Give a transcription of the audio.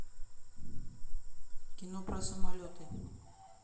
кино про самолеты